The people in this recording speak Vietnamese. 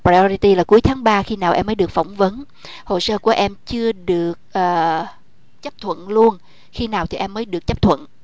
re li ti là cuối tháng ba khi nào em mới được phỏng vấn hồ sơ của em chưa được ờ chấp thuận luôn khi nào thì em mới được chấp thuận